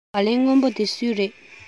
སྦ ལན སྔོན པོ འདི སུའི རེད